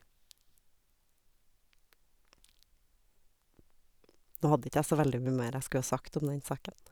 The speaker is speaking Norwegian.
Da hadde ikke jeg så veldig mye mer jeg skulle ha sagt om den saken.